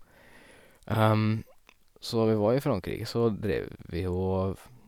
Så vi var i Frankrike, så dreiv vi å f...